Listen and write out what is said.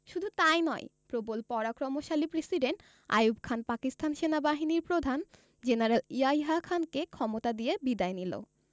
শুধু তাই নয় প্রবল পরাক্রমশালী প্রেসিডেন্ট আইয়ুব খান পাকিস্তান সেনাবাহিনীর প্রধান জেনারেল ইয়াহিয়া খানকে ক্ষমতা দিয়ে বিদায় নিল